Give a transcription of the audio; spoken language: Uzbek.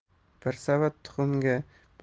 bir savat tuxumga